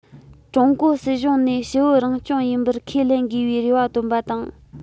ཀྲུང གོ སྲིད གཞུང ནས ཕྱི བོད རང སྐྱོང ཡིན པར ཁས ལེན དགོས པའི རེ བ བཏོན པ དང